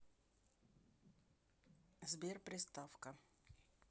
сбер приставка